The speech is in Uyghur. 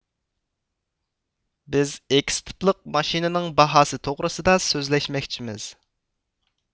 بىز ئېكس تىپلىك ماشىنىنىڭ باھاسى توغرىسىدا سۆزلەشمەكچىمىز